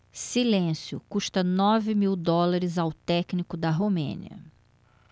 silêncio custa nove mil dólares ao técnico da romênia